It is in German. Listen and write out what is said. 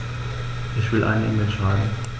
Ich will eine E-Mail schreiben.